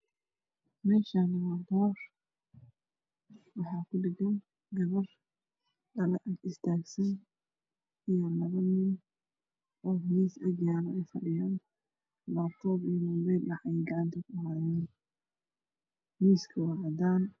Meshani waa boor waxa kudhegan gabar dhalo Ag istagan iyo Labo nin omis Agyaalo ayfadhiyaan Labto iyo mobelayey gacantakuhayan miiska waa cadaan